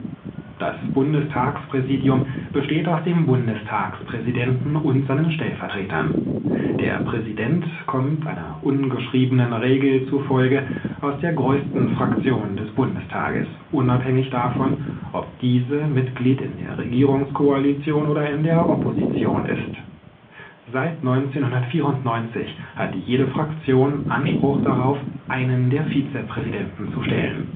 Das Bundestagspräsidium besteht aus dem Bundestagspräsidenten und seinen Stellvertretern. Der Präsident kommt einer ungeschriebenen Regel zu Folge aus der größten Fraktion des Bundestages, unabhängig davon, ob diese Mitglied der Regierungskoalition oder in der Opposition ist. Seit 1994 hat jede Fraktion Anspruch darauf, einen der Vizepräsidenten zu stellen